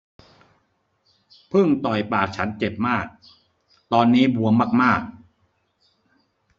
ผึ้งต่อยปากฉันเจ็บมากตอนนี้บวมมากมาก